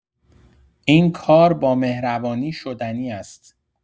این کار با مهربانی شدنی است.